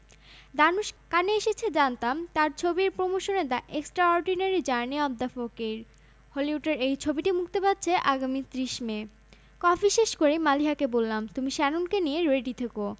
বিয়ের venue prince Harry ও মেগান মার্কেলের বিয়ে হবে উইন্ডসর ক্যাসেলের সেন্ট জর্জেস চ্যাপেলে এটি সেন্ট্রাল লন্ডন থেকে ২০ মাইল দূরে উইন্ডসর সবচেয়ে পুরোনো ও বড় একটি দুর্গ